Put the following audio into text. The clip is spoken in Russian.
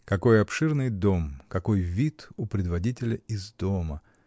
Какой обширный дом, какой вид у предводителя из дома!